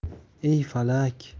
ey falak